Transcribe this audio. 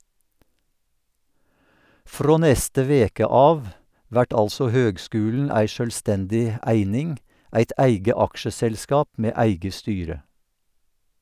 Frå neste veke av vert altså høgskulen ei sjølvstendig eining, eit eige aksjeselskap med eige styre.